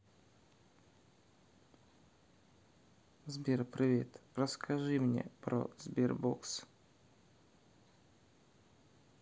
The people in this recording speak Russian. сбер привет расскажи мне про sberbox